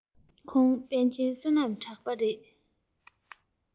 ཁོང པན ཆེན བསོད ནམས གྲགས པ རེད